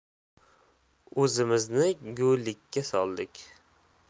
o'zimizni go'llikka soldik